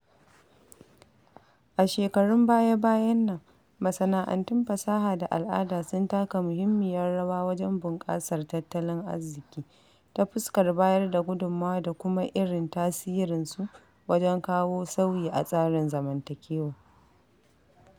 A shekarun baya-bayan nan, masana'antun fasaha da al'ada sun taka muhimmiyar rawa wajen bunƙasar tattalin arziki, ta fuskar bayar da gudummawa da kuma irin tasirinsu wajen kawo sauyi a tsarin zamantakewa.